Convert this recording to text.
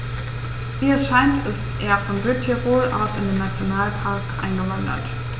Wie es scheint, ist er von Südtirol aus in den Nationalpark eingewandert.